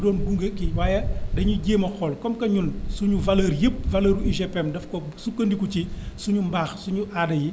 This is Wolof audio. du doon gunge ki waaye dañuy jéem a xool comme que ñun suñu valeur yëpp valeur u UGPM daf ko sukkandiku ci suñu mbaax suñu aada yi